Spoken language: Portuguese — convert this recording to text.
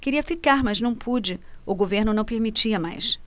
queria ficar mas não pude o governo não permitia mais